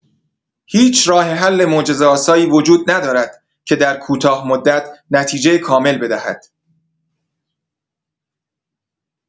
هیچ راه‌حل معجزه‌آسایی وجود ندارد که در کوتاه‌مدت نتیجه کامل بدهد.